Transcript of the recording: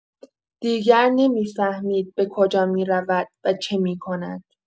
دیگر نمی‌فهمید به کجا می‌رود و چه می‌کند.